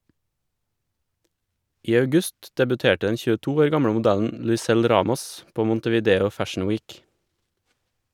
I august debuterte den 22 år gamle modellen Luisel Ramos på Montevideo Fashion Week.